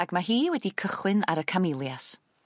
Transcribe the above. Ag ma' hi wedi cychwyn ar y Camellias.